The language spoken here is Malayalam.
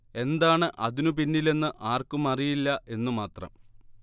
എന്താണ് അതിനു പിന്നിൽ എന്ന് ആർക്കും അറിയില്ല എന്നും മാത്രം